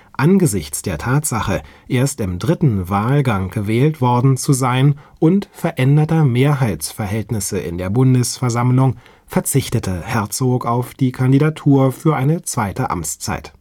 Angesichts der Tatsache, erst im dritten Wahlgang gewählt worden zu sein, und veränderter Mehrheitsverhältnisse in der Bundesversammlung verzichtete Herzog auf die Kandidatur für eine zweite Amtszeit